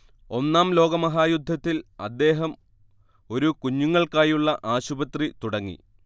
ഒന്നാം ലോകമഹായുദ്ധത്തിൽ അദ്ദേഹം ഒരു കുഞ്ഞുങ്ങൾക്കാായുള്ള ആശുപത്രി തുടങ്ങി